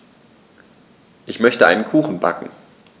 Ich möchte einen Kuchen backen.